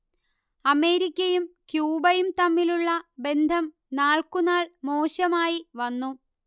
അമേരിക്കയും ക്യൂബയും തമ്മിലുള്ള ബന്ധം നാൾക്കുനാൾ മോശമായി വന്നു